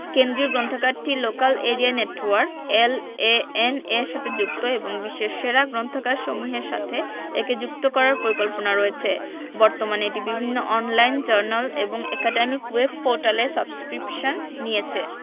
কেন্দ্রীয় গ্রন্থাগারটি local area network LAN এর সাথে যুক্ত এবং বিশ্বের সেরা গ্রন্থাগারসমূহের সাথে একে যুক্ত করার পরিকল্পনা রয়েছে বর্তমানে এটি বিভিন্ন অন লাইন জার্নাল এবং একাডেমিক ওয়েব পোর্টালের সাবস্ক্রিপশন নিয়েছে